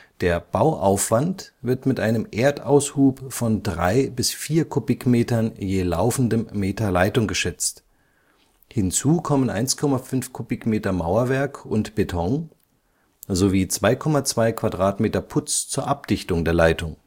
Der Bauaufwand wird mit einem Erdaushub von 3 bis 4 Kubikmetern je laufendem Meter Leitung geschätzt, hinzu kommen 1,5 Kubikmeter Mauerwerk und Beton sowie 2,2 Quadratmeter Putz zur Abdichtung der Leitung